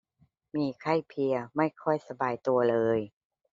มีไข้เพลียไม่ค่อยสบายตัวเลย